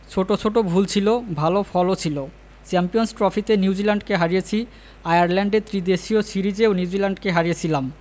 ছোট ছোট ভুল ছিল ভালো ফলও ছিল চ্যাম্পিয়নস ট্রফিতে নিউজিল্যান্ডকে হারিয়েছি আয়ারল্যান্ডে ত্রিদেশীয় সিরিজেও নিউজিল্যান্ডকে হারিয়েছিলাম